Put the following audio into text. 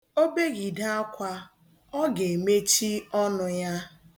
O beghide akwa, ọ ga-emechi ọnụ ya.